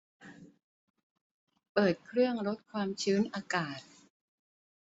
เปิดเครื่องลดความชื้นอากาศ